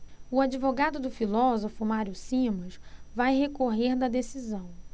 o advogado do filósofo mário simas vai recorrer da decisão